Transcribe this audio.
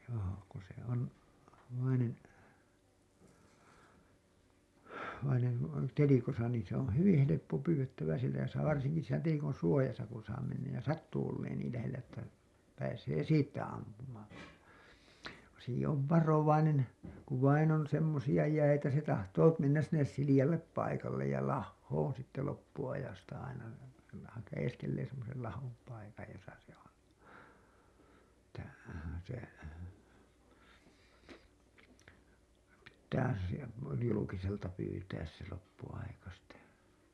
joo kun se on vainen vainen kun on telikossa niin se on hyvin helppo pyydettävä siellä ja saa varsinkin siinä telikon suojassa kun saa mennä ja sattuu olemaan niin lähellä että pääsee siitä ampumaan kun sekin on varovainen kun vain on semmoisia jäitä se tahtoo mennä sinne sileälle paikalle ja lahoon sitten loppuajasta aina se - haeskelee semmoisen lahon paikan jossa se on että se pitää siellä julkiselta pyytää se loppuaika sitä